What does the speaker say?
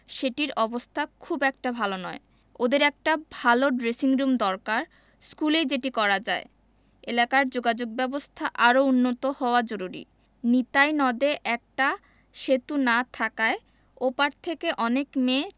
সেটির অবস্থা খুব একটা ভালো নয় ওদের একটা ভালো ড্রেসিংরুম দরকার স্কুলেই যেটি করা যায় এলাকার যোগাযোগব্যবস্থা আরও উন্নত হওয়া জরুরি নিতাই নদে একটা সেতু না থাকায় ওপার থেকে অনেক মেয়ে